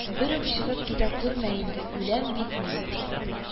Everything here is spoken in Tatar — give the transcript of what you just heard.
Берүк чыгып китә күрмә инде, үләм бит мин